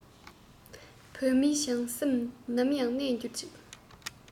བོད མིའི བྱང སེམས ནམ ཡང གནས འགྱུར ཅིག